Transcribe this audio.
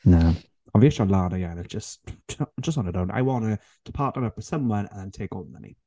Na, ond fi isie i Lana ennill, just just on her own. I want her to partner up with someone and take all the money.